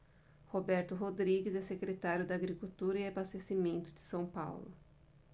roberto rodrigues é secretário da agricultura e abastecimento de são paulo